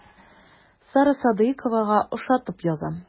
Сара Садыйковага ошатып язам.